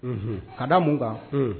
Ka da mun kan